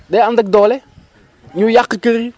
day ànd ak doole mu yàq kër yi